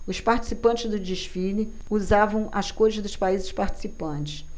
os participantes do desfile usavam as cores dos países participantes